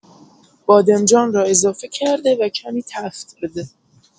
بادمجان را اضافه کرده و کمی تفت بده.